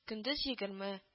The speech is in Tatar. Көндез - егерме